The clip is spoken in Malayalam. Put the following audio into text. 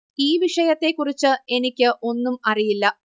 ഈ വിഷയത്തെക്കുറിച്ച് എനിക്ക് ഒന്നും അറിയില്ല